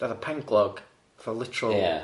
Fatha penglog fatha literal? Ie.